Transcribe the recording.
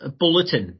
yy bwletin